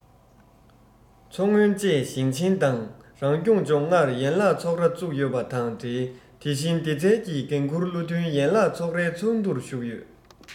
མཚོ སྔོན བཅས ཞིང ཆེན དང རང སྐྱོང ལྗོངས ལྔར ཡན ལག ཚོགས ར བཙུགས ཡོད པ དང འབྲེལ དེ བཞིན སྡེ ཚན གྱི འགན ཁུར བློ མཐུན ཡན ལག ཚོགས རའི ཚོགས འདུར ཞུགས ཡོད